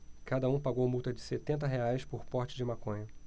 cada um pagou multa de setenta reais por porte de maconha